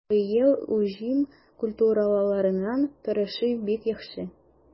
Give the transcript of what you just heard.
Быел уҗым культураларының торышы бик яхшы.